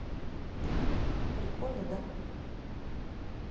прикольно да